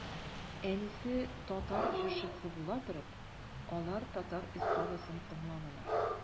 Әнисе татар җырчысы була торып, алар татар эстрадасын тыңламыйлар.